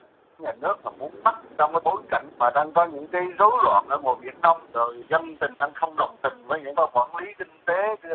nhà nước hoặc muốn bắc trong bối cảnh mà đang có những cây rối loạn các vùng biển đông người dân tình trăng không đồng tình với những ban quản lý kinh tế